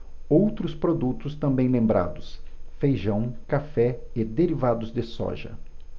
outros produtos também lembrados feijão café e derivados de soja